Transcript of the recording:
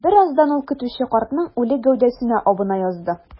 Бераздан ул көтүче картның үле гәүдәсенә абына язды.